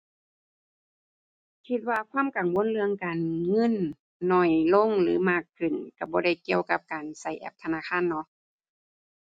คิดว่าความกังวลเรื่องการเงินน้อยลงหรือมากขึ้นก็บ่ได้เกี่ยวกับการก็แอปธนาคารเนาะ